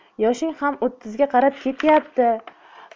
yoshing ham o'ttizga qarab ketyapti